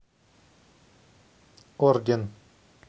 орден